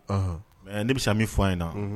Mais ne bɛ se min fɔ in na